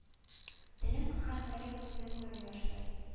Телем һәм әле күзем күрми башлый